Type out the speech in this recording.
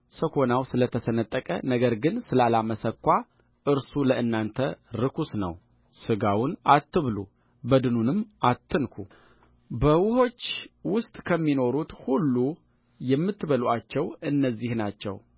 ሰኮናው ስለ ተሰነጠቀ ነገር ግን ስላላመሰኳ እርሱ ለእናንተ ርኩስ ነው ሥጋውን አትብሉ በድኑንም አትንኩ በውኆች ውስጥ ከሚኖሩት ሁሉ የምትበሉአቸው እነዚህ ናቸው